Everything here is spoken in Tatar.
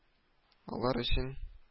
Алар өчен